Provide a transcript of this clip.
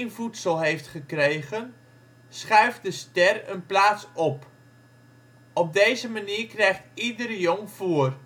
voedsel heeft gekregen, schuift de " ster " een plaats op. Op deze manier krijgt ieder jong voer